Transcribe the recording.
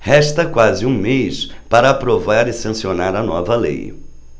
resta quase um mês para aprovar e sancionar a nova lei